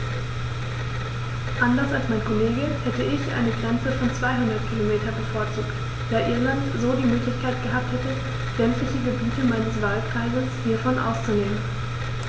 Anders als mein Kollege hätte ich eine Grenze von 200 km bevorzugt, da Irland so die Möglichkeit gehabt hätte, ländliche Gebiete meines Wahlkreises hiervon auszunehmen.